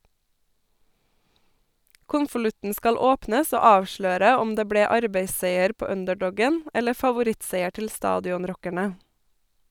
Konvolutten skal åpnes, og avsløre om det ble arbeidsseier på underdogen , eller favorittseier til stadionrockerne.